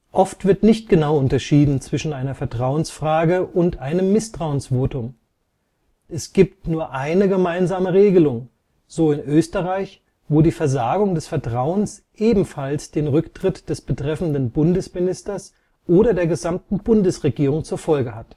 Oft wird nicht genau unterschieden zwischen einer Vertrauensfrage und einem Misstrauensvotum: Es gibt nur eine gemeinsame Regelung, so in Österreich, wo die Versagung des Vertrauens ebenfalls den Rücktritt des betreffenden Bundesministers oder der gesamten Bundesregierung zur Folge